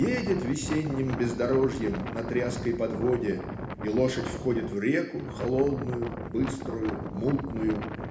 едет весенним бездорожьем на тряской подводе и лошадь входит в реку холодную быструю мутную